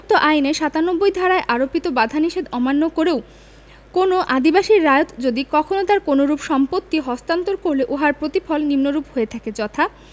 আইনের ৯৭ ধারায় আরোপিত বাধানিষেধ অমান্য করে কোনও আদিবাসী রায়ত যদি কখনো তার কোনরূপ সম্পত্তি হস্তান্তর করলে উহার প্রতিফল নিম্নরূপ হয়ে থাকে যথা